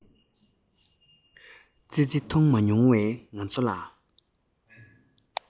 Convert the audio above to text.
ཙི ཙི མཐོང མ མྱོང བའི ང ཚོ ལ